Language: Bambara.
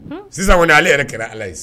Sisan kɔni ni ale yɛrɛ kɛra ala ye